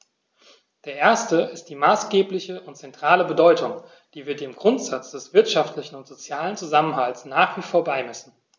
Der erste ist die maßgebliche und zentrale Bedeutung, die wir dem Grundsatz des wirtschaftlichen und sozialen Zusammenhalts nach wie vor beimessen.